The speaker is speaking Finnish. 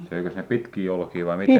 söikös ne pitkiä olkia vai mitä